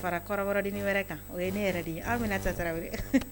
Fara kɔrɔbɔrɔdennin wɛrɛ kan. O ye ne yɛrɛ de ye. Aminata Tarawere.